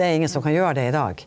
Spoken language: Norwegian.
det er ingen som kan gjera det i dag?